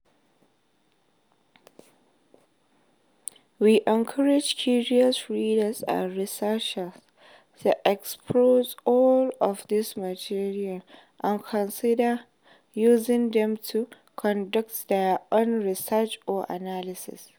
We encourage curious readers and researchers to explore all of these materials and consider using them to conduct their own research or analysis.